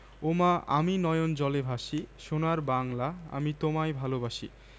আমরা সবাই খুব খুশি হব আমরা ভালো আছি